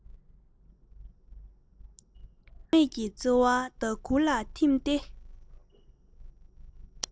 འགྱུར མེད ཀྱི བརྩེ བ ཟླ གུར ལ འཐིམས ཏེ